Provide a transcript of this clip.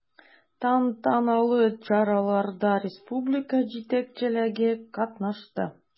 Тантаналы чараларда республика җитәкчелеге катнашты.